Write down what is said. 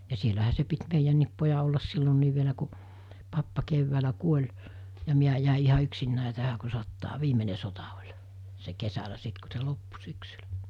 ja siellähän se piti meidänkin pojan olla silloinkin vielä kun pappa keväällä kuoli ja minä jäin ihan yksinäni tähän kun sotaa viimeinen sota oli se kesällä sitten kun se loppui syksyllä